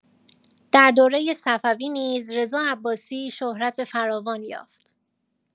در دوره صفوی نیز رضا عباسی شهرت فراوان یافت.